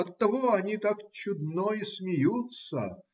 оттого они так чудно и смеются.